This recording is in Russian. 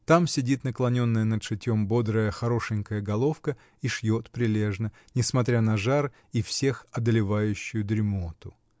Там сидит, наклоненная над шитьем, бодрая, хорошенькая головка и шьет прилежно, несмотря на жар и всех одолевающую дремоту.